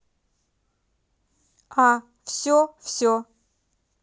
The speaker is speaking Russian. а все все